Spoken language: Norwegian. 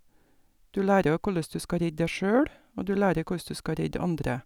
Du lærer òg korleis du skal redde deg sjøl, og du lærer koss du skal redde andre.